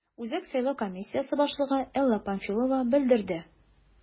Үзәк сайлау комиссиясе башлыгы Элла Памфилова белдерде: